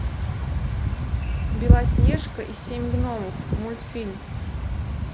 белоснежка и семь гномов мультфильм